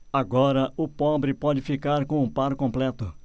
agora o pobre pode ficar com o par completo